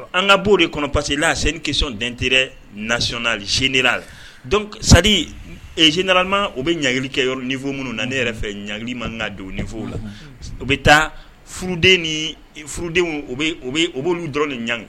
An ka'o de kɔnɔ parce quela senikisɛcon ntte nasion sene lac sa seninalama u bɛ ɲagli kɛ yɔrɔ nifo minnu na ne yɛrɛ fɛ ɲagli man na don fɔ la u bɛ taaden nidenw u b'olu dɔrɔn ni ɲ ɲag